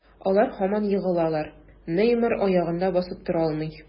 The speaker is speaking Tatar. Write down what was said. Алар һаман егылалар, Неймар аягында басып тора алмый.